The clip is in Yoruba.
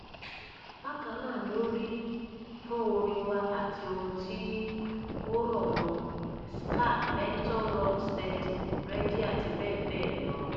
Bákannáà ni ó rí fún orin wa àti ohun tí ó rọ̀ mọ́, Ska, Mento, Rock Steady, Reggae àti bẹ́ẹ̀ bẹ́ẹ̀ lọ.